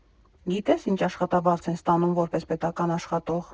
Գիտե՞ս ինչ աշխատավարձ են ստանում որպես պետական աշխատող։